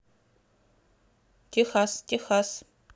техас техас